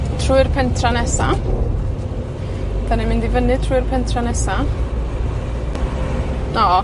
Trwy'r pentra nesa. 'Dan ni'n mynd i fyny trwy'r pentra nesa. O!